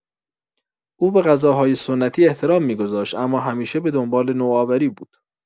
او به غذاهای سنتی احترام می‌گذاشت اما همیشه به دنبال نوآوری بود.